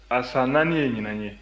a san naani ye ɲinan ye